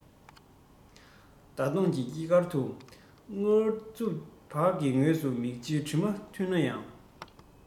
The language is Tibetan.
ཟླ གདོང གི དཀྱིལ འཁོར དུ སྔར འཛུམ བག གི ངོས སུ མིག ཆུའི དྲི མ འཐུལ ན ཡང